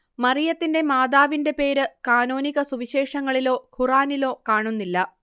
മറിയത്തിന്റെ മാതാവിന്റെ പേരു കാനോനിക സുവിശേഷങ്ങളിലോ ഖുർആനിലോ കാണുന്നില്ല